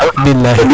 bilahi